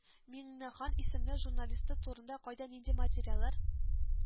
Миңнехан исемле журналисты турында кайда нинди материаллар